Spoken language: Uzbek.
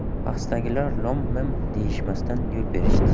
pastdagilar lom mim deyishmasdan yo'l berishdi